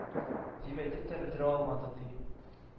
Дип әйтеп тә бетерә алмады, ди,